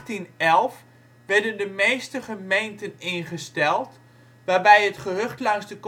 1811 werden de meeste gemeenten ingesteld, waarbij het gehucht langs de